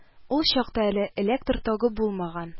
Ул чакта әле электр тогы булмаган